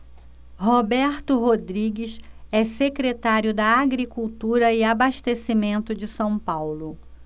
roberto rodrigues é secretário da agricultura e abastecimento de são paulo